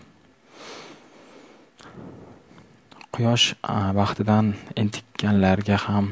quyosh baxtidan entikkanlarga ham